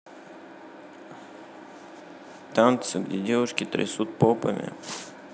танцы где девушки трясут попами